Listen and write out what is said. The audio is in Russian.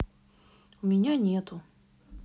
у меня нету